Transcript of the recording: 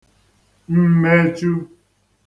mmechū